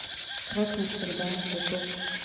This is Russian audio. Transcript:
шрек навсегда ютуб